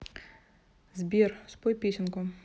сбер спой песенку